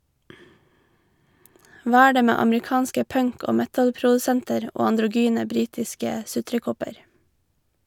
Hva er det med amerikanske punk- og metalprodusenter og androgyne britiske sutrekopper?